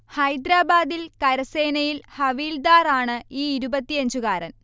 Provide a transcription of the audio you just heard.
ഹൈദരബാദിൽ കരസനേയിൽ ഹവിൽദാറാണ് ഈ ഇരുപത്തിയഞ്ചുകാരൻ